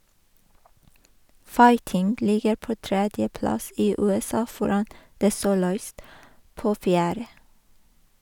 "Fighting" ligger på tredjeplass i USA, foran "The Soloist" på fjerde.